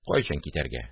– кайчан китәргә